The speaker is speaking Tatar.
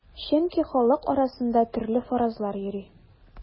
Чөнки халык арасында төрле фаразлар йөри.